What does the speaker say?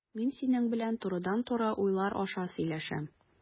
Мин синең белән турыдан-туры уйлар аша сөйләшәм.